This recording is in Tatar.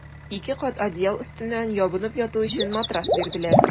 Ике кат одеял өстеннән ябынып яту өчен матрас бирделәр.